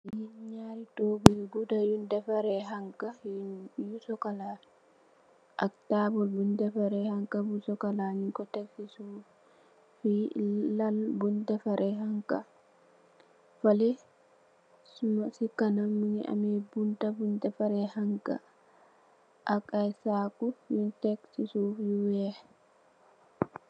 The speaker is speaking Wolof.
Yii njaari tohgu yu guda yungh defarreh khanka yu nju, yu chocolat, ak taabul bungh defarreh khanka bu chocolat njung kor tek cii suff, fii lal bungh defarreh khanka, fehleh suma, cii kanam mungy ameh bunta bungh defarreh khanka, ak aiiy saaku yungh tek cii suff yu wekh.